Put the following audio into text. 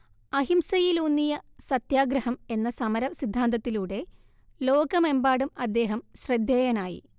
അഹിംസയിലൂന്നിയ സത്യാഗ്രഹം എന്ന സമര സിദ്ധാന്തത്തിലൂടെ ലോകമെമ്പാടും അദ്ദേഹം ശ്രദ്ധേയനായി